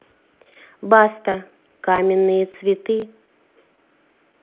баста каменные цветы